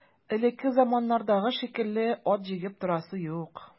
Элекке заманнардагы шикелле ат җигеп торасы юк.